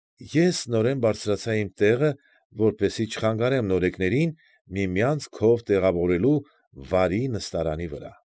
Ես նորեն բարձրացա իմ տեղը, որպեսզի չխանգարեմ նորեկներին միմյանց քով տեղավորվելու վարի նստարանի վրա։